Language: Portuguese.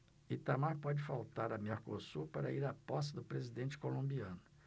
itamar pode faltar a mercosul para ir à posse do presidente colombiano